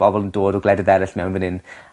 bobol yn dod o gwledydd eryll mewn fyn 'yn